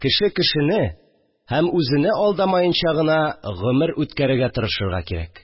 Кеше кешене һәм үзене алдамаенча гына гомер үткәрергә тырышырга кирәк